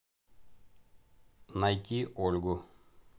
найти ольгу